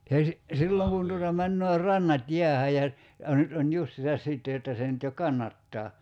- silloin kun tuota menee rannat jäähän ja ja nyt on justiinsa sitten jotta se nyt jo kannattaa